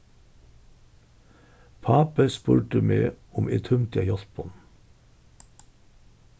pápi spurdi meg um eg tímdi at hjálpa honum